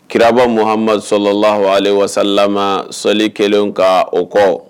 Kiraraba muhamadu sɔrɔlahu wasala sɔli kelen ka o kɔ